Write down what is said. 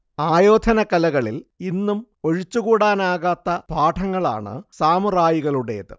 ആയോധന കലകളിൽ ഇന്നും ഒഴിച്ചുകൂടാനാകാത്ത പാഠങ്ങളാണ് സാമുറായികളുടേത്